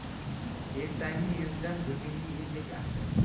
ertangi yuzdan bugungi ellik afzal